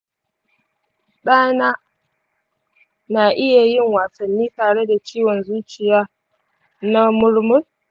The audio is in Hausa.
ɗana na iya yin wasanni tare da ciwon zuciya na murmur?